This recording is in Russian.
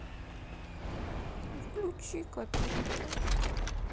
включи которая